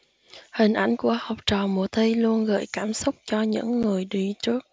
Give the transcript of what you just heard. hình ảnh của học trò mùa thi luôn gợi cảm xúc cho những người đi trước